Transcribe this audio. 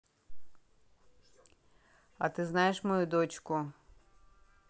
а ты знаешь мою дочку